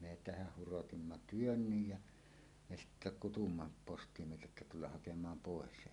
me tehdä hurotimme työmme' ja me sitten kutsuimme postimieheltä että tulla hakemaan pois